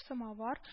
Самовар